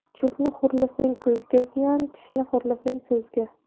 cho'pni xo'rlasang ko'zga ziyon tishni xo'rlasang so'zga